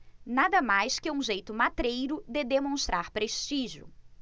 nada mais que um jeito matreiro de demonstrar prestígio